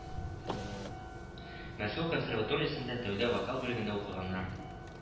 Мәскәү консерваториясендә тәүдә вокал бүлегендә укыганнар